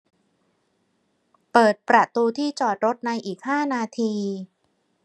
เปิดประตูที่จอดรถในอีกห้านาที